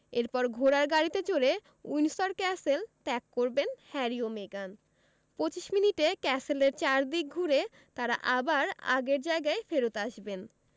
এরপর ঘোড়ার গাড়িতে চড়ে উইন্ডসর ক্যাসেল ত্যাগ করবেন হ্যারি ও মেগান ২৫ মিনিটে ক্যাসেলের চারদিক ঘুরে তাঁরা আবার আগের জায়গায় ফেরত আসবেন